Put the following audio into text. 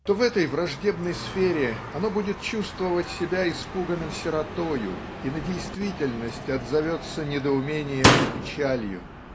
то в этой враждебной сфере оно будет чувствовать себя испуганным сиротою и на действительность отзовется недоумением и печалью.